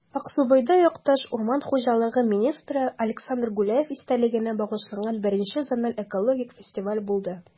Аксубайда якташ, урман хуҗалыгы министры Александр Гуляев истәлегенә багышланган I зональ экологик фестиваль булды